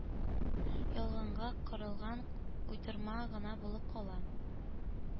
Ялганга корылган уйдырма гына булып кала.